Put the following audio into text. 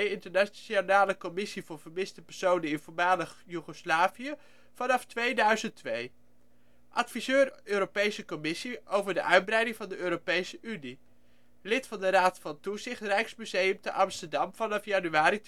Internationale Commissie voor vermiste personen in voormalig Joegoslavië), vanaf 2002 adviseur Europese Commissie over de uitbreiding van de Europese Unie lid Raad van Toezicht Rijksmuseum te Amsterdam, vanaf januari